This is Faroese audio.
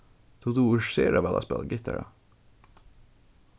tú dugir sera væl at spæla gittara